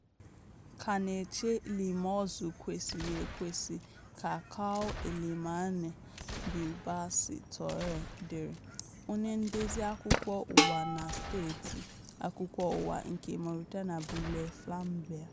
ka na-eche elimozu kwesịrị ekwesị," ka Kaaw Elimane Bilbassi Touré dere, onye ndezi akụkọ ụwa na saịtị akụkọ ụwa nke Mauritania bụ Le Flambeau.